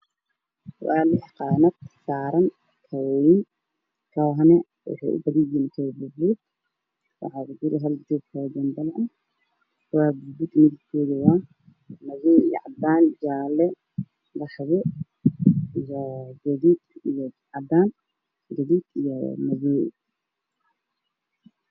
Waa lix qaanad saaran kabooyin kabahana waxay ubadan yihiin kabo buud buud waxaa ku jiro hal joog oo janbal ah kabaha buudka ah midab koodu waa madow iyo cadaan jaale qaxwo iyo guduud iyo cadaan guduud iyo madow